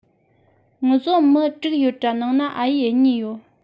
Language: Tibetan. ངུ བཟོ མྱི དྲུག ཡོད དྲ ནང ན ཨ ཡེས གཉིས ཡོད